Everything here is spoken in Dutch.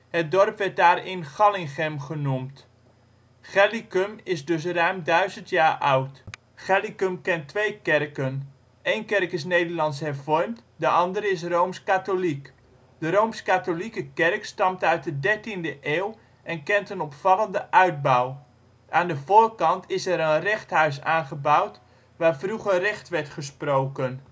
het dorp werd daarin Gallinghem genoemd. Gellicum is dus ruim 1000 jaar oud. Gellicum kent twee kerken. Eén kerk is Nederlands-hervormd, de andere is rooms-katholiek. De rooms-katholieke kerk stamt uit de 13e eeuw en kent een opvallende uitbouw. Aan de voorkant is er een rechthuis aangebouwd waar vroeger recht werd gesproken